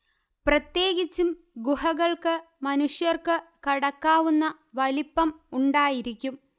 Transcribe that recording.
പ്രത്യേകിച്ചും ഗുഹകൾക്ക് മനുഷ്യർക്ക് കടക്കാവുന്ന വലിപ്പം ഉണ്ടായിരിക്കും